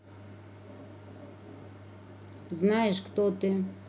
знаешь кто ты